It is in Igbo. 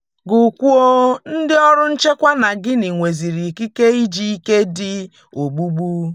Gụkwuo: Ndị ọrụ nchekwa na Guinea nwezịrị ikike iji ike dị ogbugbu